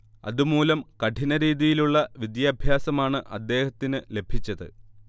അതുമൂലം കഠിനരീതിയിലുള്ള വിദ്യാഭാസമാണ് അദ്ദേഹത്തിന് ലഭിച്ചത്